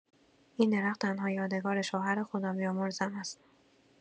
این درخت تنها یادگار شوهر خدابیامرزم است.